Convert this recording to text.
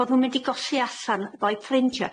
Fod n'w'n mynd i golli allan â'u ffrindie.